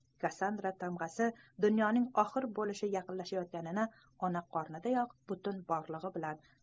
kassandra tamg'asi dunyoning oxir bo'lishi yaqinlasha yotganini ona qornidayoq butun borlig'i bilan